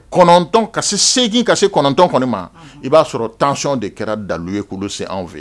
Tɔn ka se segin ka se kɔnɔntɔn kɔni ma i b'a sɔrɔ tancyɔn de kɛra dalu ye kulu sen fɛ